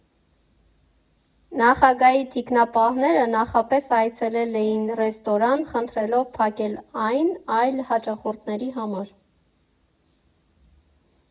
Նախագահի թիկնապահները նախապես այցելել էին ռեստորան՝ խնդրելով փակել այն այլ հաճախորդների համար։